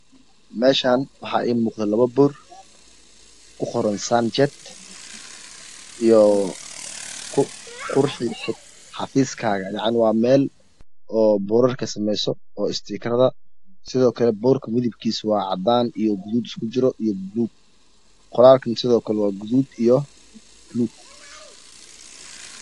Meeshaan waxa ega muuqda labo boor ku qoran sanjad waa meel boorarka samaysa sidoo kale boorka midabkiisa waa cadaan iyo gaduud isku jiro qoraalka waa gaduud iyo blue